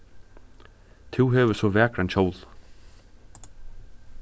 tú hevur so vakran kjóla